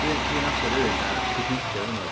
Dwi'n dwi'n nabod rywun de dwi gweithio efo nw.